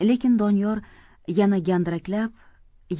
lekin doniyor yana gandirak lab